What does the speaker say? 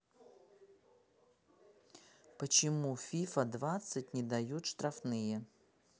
почему фифа двадцать не дают штрафные